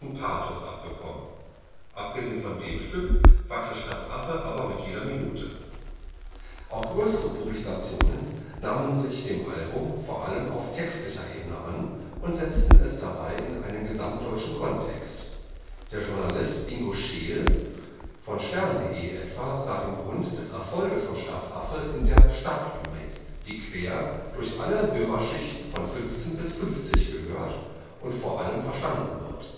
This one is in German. Pathos abbekommen “. Abgesehen von dem Stück wachse Stadtaffe aber „ mit jeder Minute “. Auch größere Publikationen nahmen sich dem Album, vor allem auf textlicher Ebene, an und setzten es dabei in einen gesamtdeutschen Kontext. Der Journalist Ingo Scheel von stern.de etwa sah den Grund des Erfolges von Stadtaffe in der „ Stadtlyrik “,„ die quer durch alle Hörerschichten von 15 bis 50 gehört und vor allem verstanden wird